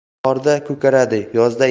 bahorda ko'karadi yozda